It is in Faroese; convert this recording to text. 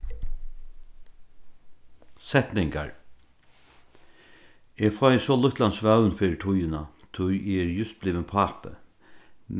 setningar eg fái so lítlan svøvn fyri tíðina tí eg eri júst blivin pápi